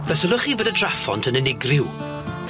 Fe sylwch chi bod y draphont yn unigryw.